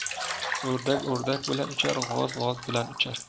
o'rdak o'rdak bilan uchar g'oz g'oz bilan uchar